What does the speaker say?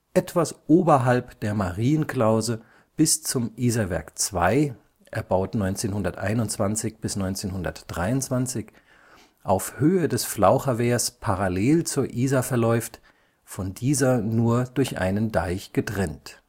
etwas oberhalb der Marienklause bis zum Isarwerk II (erbaut 1921 bis 1923) auf Höhe des Flaucherwehrs parallel zur Isar verläuft, von dieser nur durch einen Deich getrennt